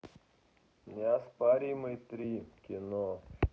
неоспоримый три кино